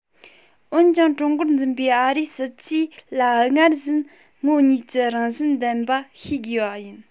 འོན ཀྱང ཀྲུང གོར འཛིན པའི ཨ རིའི སྲིད ཇུས ལ སྔར བཞིན ངོ གཉིས ཀྱི རང བཞིན ལྡན པ ཤེས དགོས པ ཡིན